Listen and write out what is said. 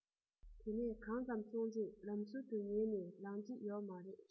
དེ ནས གང ཙམ སོང རྗེས ལམ ཟུར དུ ཉལ ནས ལངས ཀྱི ཡོད མ རེད